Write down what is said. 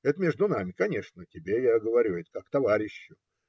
Это - между нами, конечно: тебе я говорю это как товарищу.